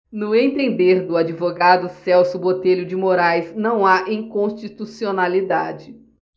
no entender do advogado celso botelho de moraes não há inconstitucionalidade